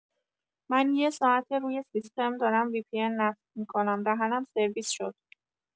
من یه ساعته روی سیستم دارم وی‌پی‌ان نصب می‌کنم دهنم سرویس شد.